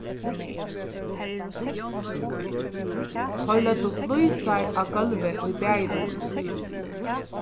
teir løgdu flísar á gólvið í baðirúminum